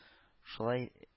Шулай